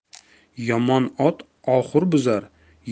yomon ot oxur buzar